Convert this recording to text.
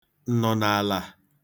ǹnọ̀nààlà